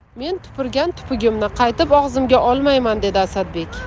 men tupurgan tupugimni qaytib og'zimga olmayman dedi asadbek